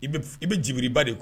I bɛ I bɛ jibiriba de